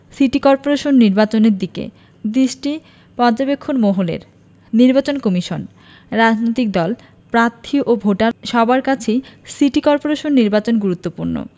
city corporation নির্বাচনের দিকে দৃষ্টি পর্যবেক্ষক মহলের নির্বাচন কমিশন রাজনৈতিক দল প্রার্থী ও ভোটার সবার কাছেই সিটি করপোরেশন নির্বাচন গুরুত্বপূর্ণ